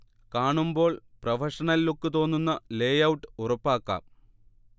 കാണുമ്പോൾ professional look തോന്നുന്ന layout ഉറപ്പാക്കാം